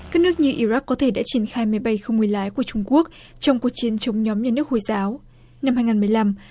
các nước như i rắc có thể đã triển khai máy bay không người lái của trung quốc trong cuộc chiến chống nhóm nhà nước hồi giáo năm hai ngàn mười lăm